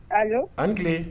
Allo an ni tile!